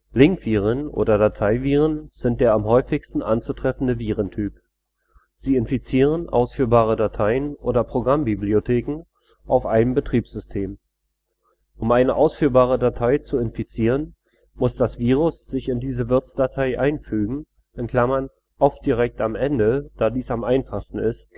Linkviren oder Dateiviren sind der am häufigsten anzutreffende Virentyp. Sie infizieren ausführbare Dateien oder Programmbibliotheken auf einem Betriebssystem. Um eine ausführbare Datei zu infizieren, muss das Virus sich in diese Wirtsdatei einfügen (oft direkt am Ende, da dies am einfachsten ist